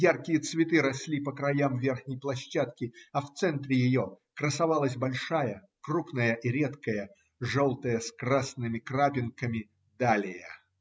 яркие цветы росли по краям верхней площадки, а в центре ее красовалась большая, крупная и редкая, желтая с красными крапинками далия.